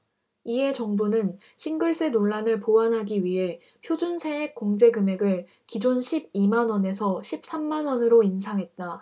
이에 정부는 싱글세 논란을 보완하기 위해 표준세액 공제금액을 기존 십 이 만원에서 십 삼 만원으로 인상했다